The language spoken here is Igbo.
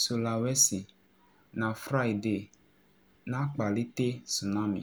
Sulawesi na Fraịde, na akpalite tsunami.